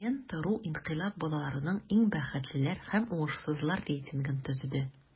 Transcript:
"лента.ру" инкыйлаб балаларының иң бәхетлеләр һәм уңышсызлар рейтингын төзеде.